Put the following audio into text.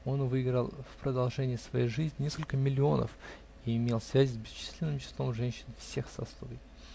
он выиграл в продолжение своей жизни несколько миллионов и имел связи с бесчисленным числом женщин всех сословий.